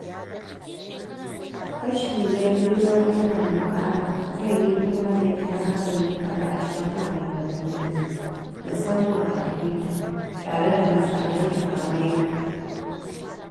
Kashi na II na wannan maƙala zai yi duba da yadda hakan ya faru a shafukan yanar gizo, musamman a tuwita, tare da misalai takamaimai.